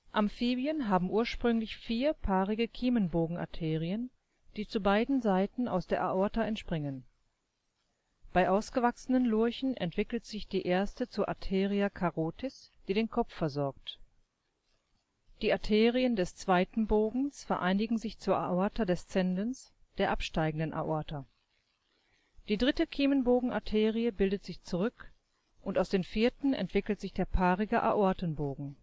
Amphibien haben ursprünglich vier paarige Kiemenbogenarterien, die zu beiden Seiten aus der Aorta entspringen. Bei ausgewachsenen Lurchen entwickelt sich die erste zur Arteria carotis, die den Kopf versorgt. Die Arterien des zweiten Bogens vereinigen sich zur Aorta descendens, der absteigenden Aorta. Die dritte Kiemenbogenarterie bildet sich zurück, und aus den vierten entwickelt sich der paarige Aortenbogen